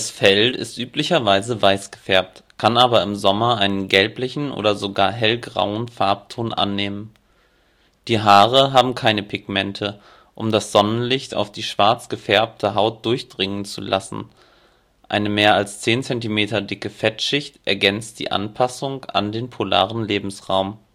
Fell ist üblicherweise weiß gefärbt, kann aber im Sommer einen gelblichen oder sogar hellgrauen Farbton annehmen. Die Haare haben keine Pigmente, um das Sonnenlicht auf die schwarz gefärbte Haut durchdringen zu lassen, eine mehr als 10 Zentimeter dicke Fettschicht ergänzt die Anpassung an den polaren Lebensraum